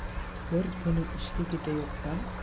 bir kuni ishga ketayotsam